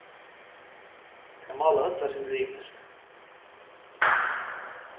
tey mála øll eitt sindur ymiskt